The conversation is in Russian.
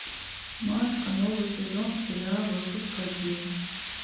маска новый сезон серия выпуск один